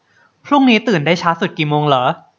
พรุ่งนี้ตื่นได้ช้าสุดกี่โมงเหรอ